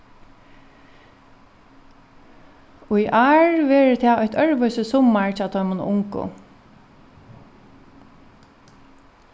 í ár verður tað eitt øðrvísi summar hjá teimum ungu